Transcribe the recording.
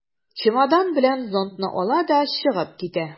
Чемодан белән зонтны ала да чыгып китә.